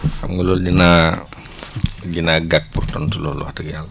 xam nga loolu dinaa dinaa gag pour tontu loolu wax dëgg yàlla